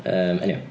Yym eniwe.